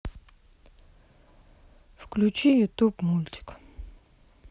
включи ютуб мультик